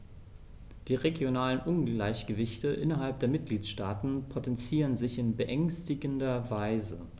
Die regionalen Ungleichgewichte innerhalb der Mitgliedstaaten potenzieren sich in beängstigender Weise.